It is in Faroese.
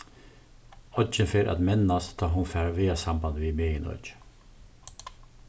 oyggin fer at mennast tá hon fær vegasamband við meginøkið